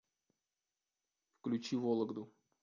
включи вологду